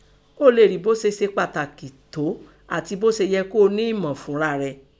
Ọ léè rí bọ́ tẹ seṣe se pàtàkì tó àti bó ṣe yẹ kó o ní ìmọ̀ fúnra rẹ.